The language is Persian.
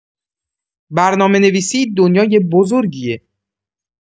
برنامه‌نویسی دنیای بزرگیه؛